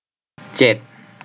เจ็ด